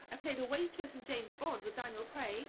I played a waitress in James Bond, with Daniel Craig.